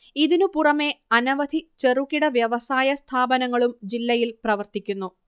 ഇതിനു പുറമേ അനവധി ചെറുകിട വ്യവസായ സ്ഥാപനങ്ങളും ജില്ലയിൽ പ്രവര്ത്തിക്കുന്നു